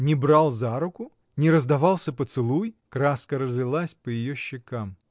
— Не брал за руку, не раздавался поцелуй?. Краска разлилась по ее щекам.